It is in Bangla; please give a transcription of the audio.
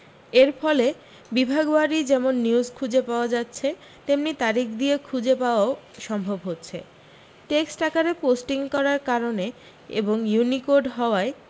এর ফলে বিভাগওয়ারী যেমন নিউজ খুঁজে পাওয়া যাচ্ছে তেমনি তারিখ দিয়ে খুঁজে পাওয়াও সম্ভব হচ্ছে টেক্সট আকারে পোষ্টিং করার কারণে এবং ইউনিকোড হওয়ায়